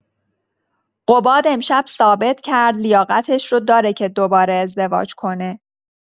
قباد امشب ثابت کرد لیاقتش رو داره که دوباره ازدواج کنه.